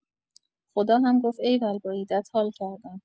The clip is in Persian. خدا هم گفت ایول با ایده‌ات حال کردم.